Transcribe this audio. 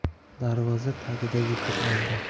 darvoza tagida yetib oldi